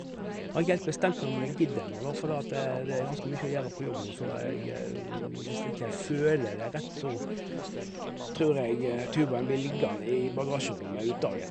Har ikke helt bestemt meg om jeg gidder ennå, da, fordi at det er ganske mye å gjøre på jobb nå, så jeg hvis ikke jeg føler det er rett, så tror jeg tubaen blir liggende i bagasjerommet ut dagen.